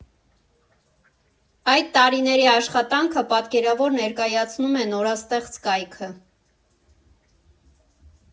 Այդ տարիների աշխատանքը պատկերավոր ներկայացնում է նորաստեղծ կայքը։